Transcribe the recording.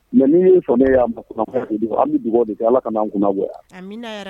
Mɛ min ye fana' an bɛ dugawu de ala ka' an kunna bɔ yan